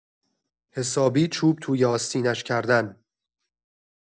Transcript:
حسابی چوب توی آستینش کردن